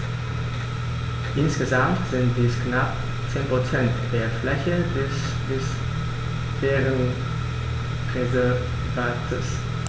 Insgesamt sind dies knapp 10 % der Fläche des Biosphärenreservates.